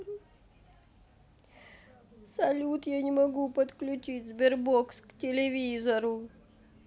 салют я не могу подключить sberbox к телевизору